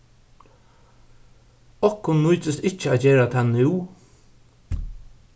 okkum nýtist ikki at gera tað nú